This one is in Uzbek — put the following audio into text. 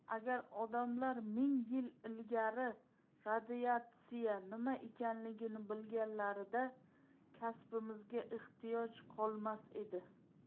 agar odamlar ming yil ilgari radiatsiya nima ekanini bilganlarida kasbimizga ehtiyoj qolmas edi